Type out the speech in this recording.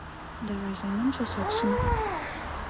давай займемся сексом